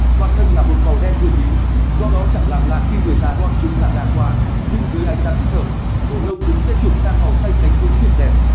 toàn thân là một màu đen huyền bí do đó chẳng làm lạ khi người ta gọi chúng là gà quạ nhưng dưới ánh nắng thích hợp bộ lông chúng sẽ chuyển sang màu xanh cánh cứng tuyệt đẹp